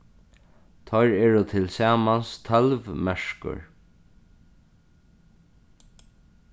teir eru tilsamans tólv merkur